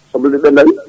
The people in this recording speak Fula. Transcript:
sobleɗe ɓendani